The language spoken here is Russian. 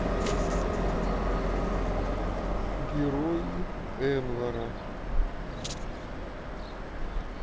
герои энвара